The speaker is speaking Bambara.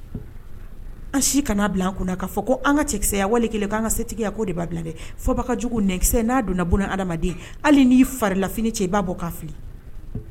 An si kana bila an kun'a fɔ ko an ka cɛkisɛya wali k an ka setigiya ko de b'a bila dɛ fo ka jugukisɛ na donna ha adama hali n farila fini cɛ i b'a bɔ ka fili